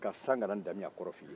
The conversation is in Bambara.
ka sankara damiyan kɔrɔ f'i ye